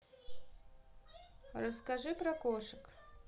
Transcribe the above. расскажи про кошек